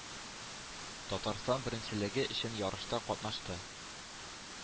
Татарстан беренчелеге өчен ярышта катнашты.